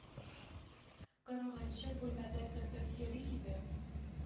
Кырыгынчы бүлмәдә кемдер йөри иде